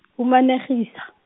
humanegisa.